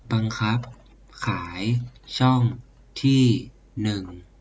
บังคับขายช่องที่หนึ่ง